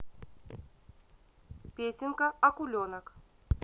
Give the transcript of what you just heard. песенка акуленок